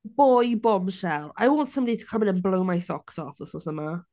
Boy bombshell. I want somebody to come in and blow my socks off wythnos yma.